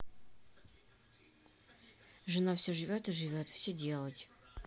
жена все живет и живет все делать